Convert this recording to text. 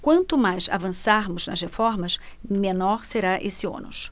quanto mais avançarmos nas reformas menor será esse ônus